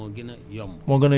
ba ci batimat yi